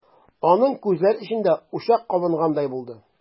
Аның күзләр эчендә учак кабынгандай булды.